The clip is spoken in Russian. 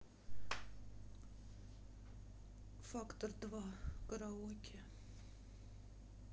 фактор два караоке